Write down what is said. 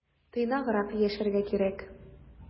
Тыйнаграк яшәргә кирәк.